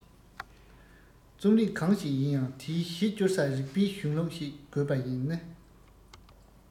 རྩོམ རིག གང ཞིག ཡིན ཡང དེའི གཞི བཅོལ ས རིག པའི གཞུང ལུགས ཤིག དགོས པ ནི